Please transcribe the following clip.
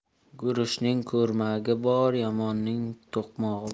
guruchning kurmagi bor yomonning to'qmog'i bor